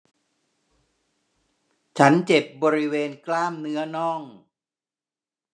ฉันเจ็บบริเวณกล้ามเนื้อน่อง